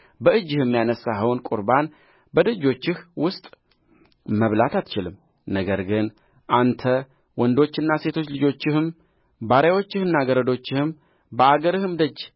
በእጅህም ያነሣኸውን ቍርባን በደጆችህ ውስጥ መብላት አትችልም ነገር ግን አንተ ወንዶችና ሴቶች ልጆችህም ባሪያዎችህና ገረዶችህም በአገርህም ደጅ